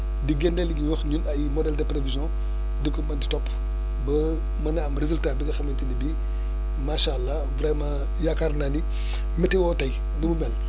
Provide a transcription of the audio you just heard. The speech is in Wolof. di génne li ñuy wax ñun ay modèles de prévisions di ko mënti topp ba mën a am résultat bi nga xamante ne bii macha allah vraiment yaakaar naa ni météo tey ni mu mel